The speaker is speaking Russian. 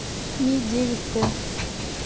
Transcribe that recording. ми девять т